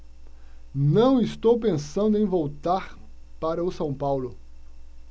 não estou pensando em voltar para o são paulo